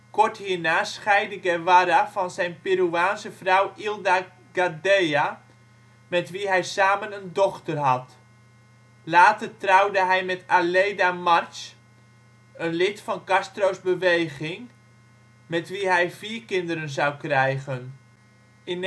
Kort hierna scheidde Guevara van zijn Peruaanse vrouw Hilda Gadea, met wie hij samen een dochter had. Later trouwde hij met Aleida March, een lid van Castro 's beweging, met wie hij vier kinderen zou krijgen. In